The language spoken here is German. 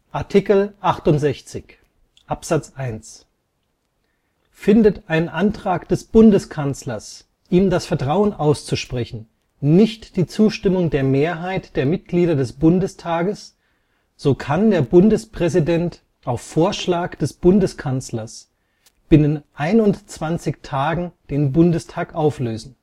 Artikel 68 (1) Findet ein Antrag des Bundeskanzlers, ihm das Vertrauen auszusprechen, nicht die Zustimmung der Mehrheit der Mitglieder des Bundestages, so kann der Bundespräsident auf Vorschlag des Bundeskanzlers binnen einundzwanzig Tagen den Bundestag auflösen